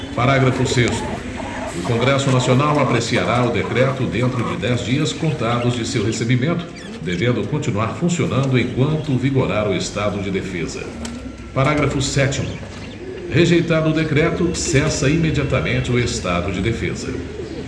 parágrafo sexto o congresso nacional apreciará o decreto dentro de dez dias contados de seu recebimento devendo continuar funcionando enquanto vigorar o estado de defesa parágrafo sétimo rejeitado o decreto cessa imediatamente o estado de defesa